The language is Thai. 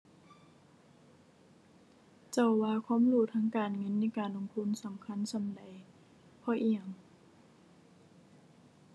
เจ้าว่าความรู้ทางการเงินในการลงทุนสำคัญส่ำใด เพราะอิหยัง